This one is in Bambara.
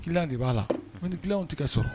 Ki de b'a la ko ni ki tɛ sɔrɔ